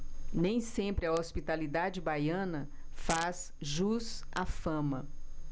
nem sempre a hospitalidade baiana faz jus à fama